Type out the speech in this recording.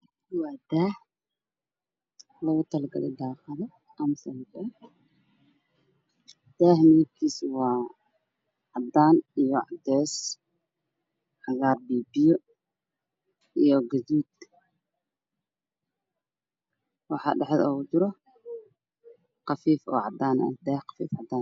Waa daah lagu tala galey daaqadaha daaha midabkiisu waa cadaan iyo cadeys cagaar biyo biyo io gaduud waxaa dhexda oogu jira qafiif yaroo cadaan ah